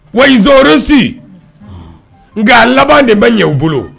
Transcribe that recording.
Wazorisi nka laban de bɛ ɲɛ u bolo